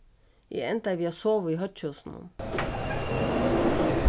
eg endaði við at sova í hoyggjhúsinum